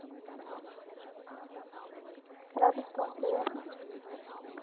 рада что вам приятно